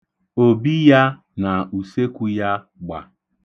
Òbi ya na usekwu ya gba.